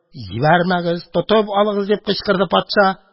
Җибәрмәгез, тотып алыгыз! – дип кычкырды патша.